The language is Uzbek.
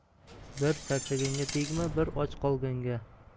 bir charchaganga tegma bir och qolganga